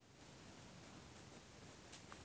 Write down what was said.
три гопа